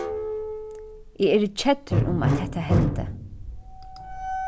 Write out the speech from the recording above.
eg eri keddur um at hetta hendi